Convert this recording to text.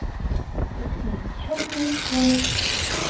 песня черный кот